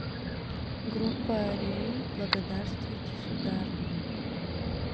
группа ариель благодарствуйте сударыня